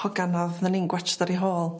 hogan 'na o'dd nyni'n gwatsh ar 'i hôl.